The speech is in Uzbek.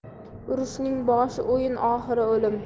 urushning boshi o'yin oxiri o'lim